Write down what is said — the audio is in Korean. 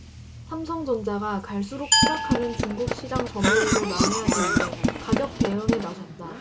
삼성전자가 갈수록 추락하는 중국 시장 점유율을 만회하기 위해 가격 대응에 나섰다